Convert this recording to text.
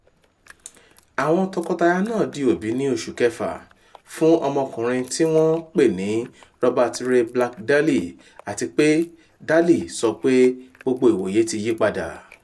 Àwọn tọkọtaya nàa di òbí ní oṣù kẹfà, fún ọmọkùnrin tí wọ́n pè ní Robert Ray Black-Daley, àtipé Daley sọ wípé “Gbogbo ìwòye” ti yípadà.